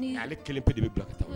Nka aleale kelenp de bɛ bila ka taa